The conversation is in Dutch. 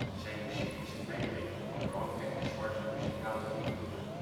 Zijn muziek is een mengeling van blanke en zwarte muzikale invloeden